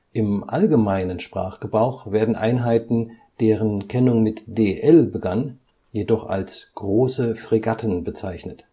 Im allgemeinen Sprachgebrauch wurden Einheiten, deren Kennung mit DL begann, jedoch als Large Frigates (Große Fregatten) bezeichnet